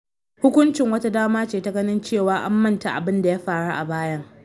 “Hukuncin wata dama ce ta ganin cewa an manta abin da ya faru a bayan.”